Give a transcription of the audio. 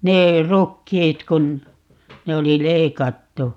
ne rukiit kun ne oli leikattu